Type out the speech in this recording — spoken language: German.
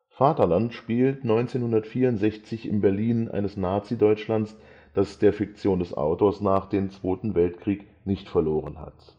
Vaterland spielt 1964 im Berlin eines Nazideutschlands, das, der Fiktion des Autors nach, den Zweiten Weltkrieg nicht verloren hat